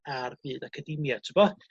ar byd acadimia t'bo